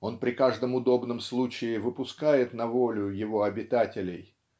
он при каждом удобном случае выпускает на волю его обитателей